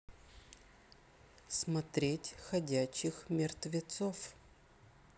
смотреть ходячих мертвецов